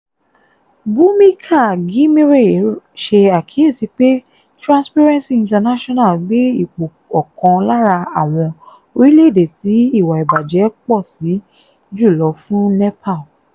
Bhumika Ghimire ṣe àkíyèsi pé Transparency International gbé ipò ọ̀kan lára àwọn orílẹ̀-èdè tí ìwà ìbàjẹ́ pọ̀ sí jùlọ fún Nepal.